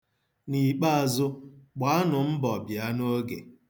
N'ikpeazụ, gbaanụ mbọ bịa n'oge.